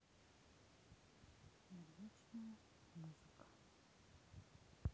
энергичная музыка